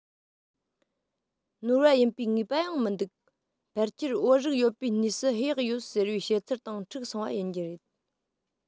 ནོར བ ཡིན པའི ངེས པ ཡང མི འདུག ཕལ ཆེར བོད རིགས ཡོད པའི གནས སུ གཡག ཡོད ཟེར བའི བཤད ཚུལ དང འཁྲུག སོང བ ཡིན རྒྱུ རེད